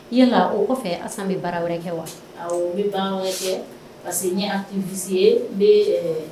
Yan o kɔfɛ asan bɛ baara wɛrɛ kɛ wa bɛ baara kɛ parce queki kisi ye